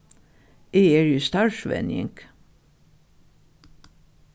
eg eri í starvsvenjing